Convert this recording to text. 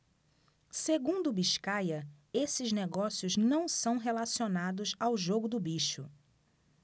segundo biscaia esses negócios não são relacionados ao jogo do bicho